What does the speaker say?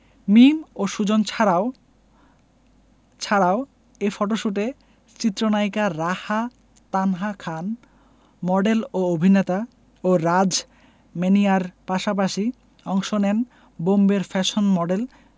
মিম ও সুজন ছাড়াও ছাড়াও এ ফটোশ্যুটে চিত্রনায়িকা রাহা তানহা খান মডেল ও অভিনেতা ও রাজ ম্যানিয়ার পাশাপাশি অংশ নেন বোম্বের ফ্যাশন মডেল